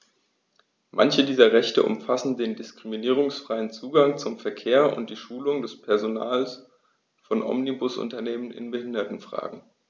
Manche dieser Rechte umfassen den diskriminierungsfreien Zugang zum Verkehr und die Schulung des Personals von Omnibusunternehmen in Behindertenfragen.